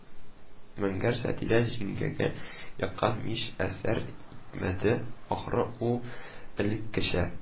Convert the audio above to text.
Мәгәр Сатирә җиңгигә яккан мич әсәр итмәде, ахры, ул элеккечә: